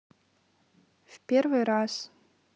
в первый раз